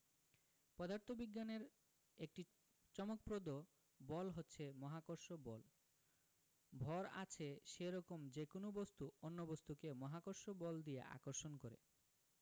পদার্থবিজ্ঞানের একটি চমকপ্রদ বল হচ্ছে মহাকর্ষ বল ভর আছে সেরকম যেকোনো বস্তু অন্য বস্তুকে মহাকর্ষ বল দিয়ে আকর্ষণ করে